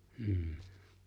mm